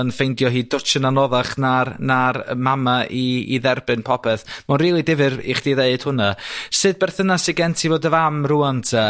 yn ffeindio hi dwtsh yn anoddach na'r na'r y mama i i dderbyn popeth ma' o'n rili difyr i chdi deud hwnna. Sut berthynas sy gen ti 'fo dy fam rŵan 'te?